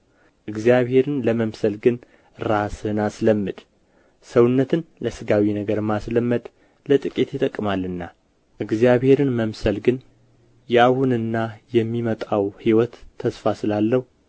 እግዚአብሔርን ለመምሰል ግን ራስህን አስለምድ ሰውነትን ለሥጋዊ ነገር ማስለመድ ለጥቂት ይጠቅማልና እግዚአብሔርን መምሰል ግን የአሁንና የሚመጣው ሕይወት ተስፋ ስላለው